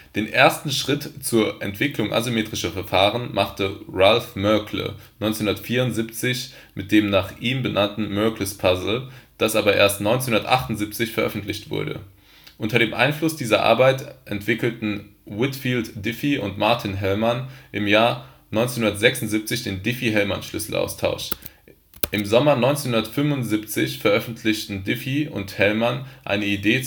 Den ersten Schritt zur Entwicklung asymmetrischer Verfahren machte Ralph Merkle 1974 mit dem nach ihm benannten Merkles Puzzle, das aber erst 1978 veröffentlicht wurde. Unter dem Einfluss dieser Arbeit entwickelten Whitfield Diffie und Martin Hellman im Jahr 1976 den Diffie-Hellman-Schlüsselaustausch. Im Sommer 1975 veröffentlichten Diffie und Hellman eine Idee